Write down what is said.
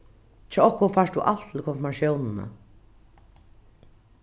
hjá okkum fært tú alt til konfirmatiónina